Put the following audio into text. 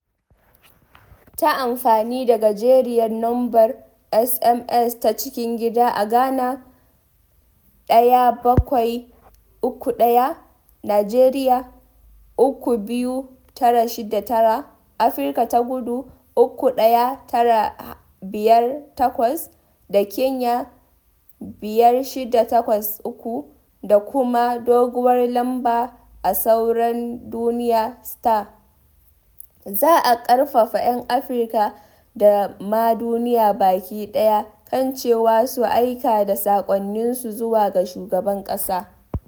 Ta amfani da gajeriyar lambar SMS ta cikin gida a Ghana (1731), Najeriya (32969), Afirka ta Kudu (31958) da Kenya (5683), da kuma doguwar lamba a sauran duniya*, za a ƙarfafa ‘yan Afirka da ma duniya baki ɗaya kan cewa su aika da saƙonninsu zuwa ga Shugaban Ƙasa.